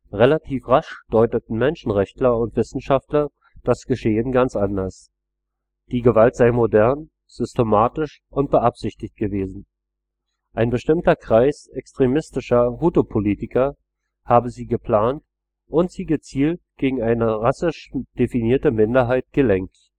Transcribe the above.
Relativ rasch deuteten Menschenrechtler und Wissenschaftler das Geschehen ganz anders. Die Gewalt sei modern, systematisch und beabsichtigt gewesen. Ein bestimmter Kreis extremistischer Hutu-Politiker habe sie geplant und sie gezielt gegen eine rassisch definierte Minderheit gelenkt